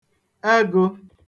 ẹgụ